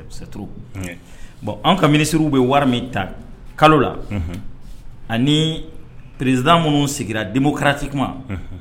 Uru bɔn an ka minisiriw bɛ wari min ta kalo la ani pererezd minnu sigira denmuso karatati kuma